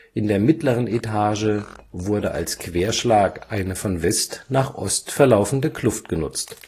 In der mittleren Etage wurde als Querschlag eine von West nach Ost verlaufende Kluft genutzt